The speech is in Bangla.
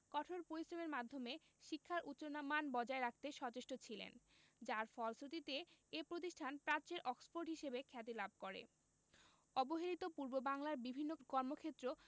কঠোর পরিশ্রমের মাধ্যমে শিক্ষার উচ্চমান বজায় রাখতে সচেষ্ট ছিলেন যার ফলশ্রুতিতে এ প্রতিষ্ঠান প্রাচ্যের অক্সফোর্ড হিসেবে খ্যাতি লাভ করে অবহেলিত পূর্ববাংলার বিভিন্ন কর্মক্ষেত্রে